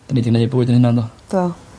'Dan ni 'di neud bywyd i'n 'unan do? Do.